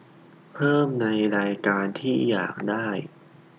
เพิ่มในรายการที่อยากได้